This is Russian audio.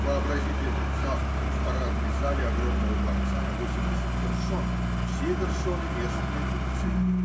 Вообразите завтрак в парадной зале огромного дворца на восемьдесят персон. Все персоны -- местные купцы.